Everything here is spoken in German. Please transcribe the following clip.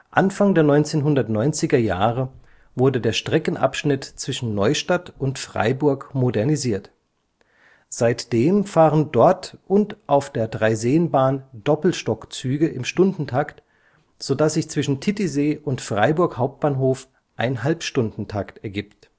Anfang der 1990er Jahre wurde der Streckenabschnitt zwischen Neustadt und Freiburg modernisiert. Seitdem fahren dort und auf der Dreiseenbahn Doppelstockzüge im Stundentakt, so dass sich zwischen Titisee und Freiburg Hbf ein Halbstundentakt ergibt